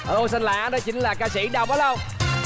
ô xanh lá đó chính là ca sĩ đào bá